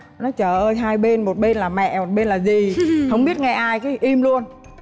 nó trời ơi hai bên một bên là mẹ một bên là dì hổng biết nghe ai cái im luôn